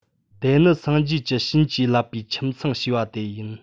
དེ ནི སངས རྒྱས ཀྱི བྱིན གྱིས བརླབས པའི ཁྱིམ ཚང ཞེས པ དེ ཡིན